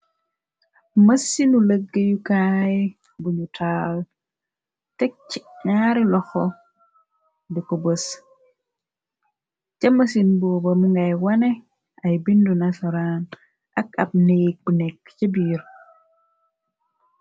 Mas sinu lëgg yukaay bunu taal tek ci naari loxo di ko bës cax masin booba mi ngay wane ay bindu nasaraan ak ab néek bu nekk ca biir.